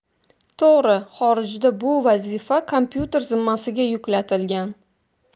to'g'ri xorijda bu vazifa kompyuter zimmasiga yuklatilgan